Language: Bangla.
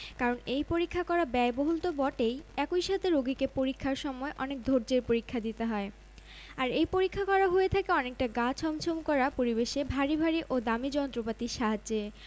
হেলমেট দিয়ে এমআরআই রোগ নির্নয়ের প্রয়োজনে চিকিত্সকরা যখন এমআরআই বা সিটিস্ক্যান করার পরামর্শ দেন তখন অনেকের কপালে চিন্তার রেখা দেখা দেয়